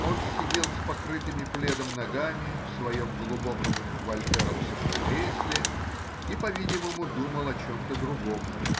он сидел с покрытыми пледом ногами в своем глубоком вольтеровском кресле и, по-видимому, думал о чем-то другом